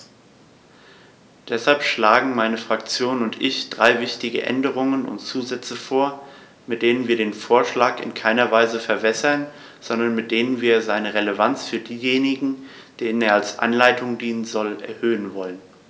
Deshalb schlagen meine Fraktion und ich drei wichtige Änderungen und Zusätze vor, mit denen wir den Vorschlag in keiner Weise verwässern, sondern mit denen wir seine Relevanz für diejenigen, denen er als Anleitung dienen soll, erhöhen wollen.